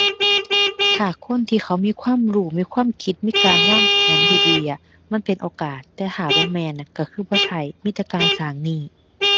ถ้าคนที่เขามีความรู้ มีความคิด มีการวางแผนที่ดีอะ มันเป็นโอกาส แต่ถ้าบ่แม่นอะ ก็คือบ่ใช่ มีแต่การสร้างหนี้